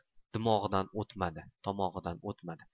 tomog'idan o'tmadi